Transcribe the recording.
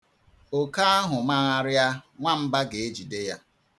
Oke ahụ magharịa, nwamba ga-ejide ya.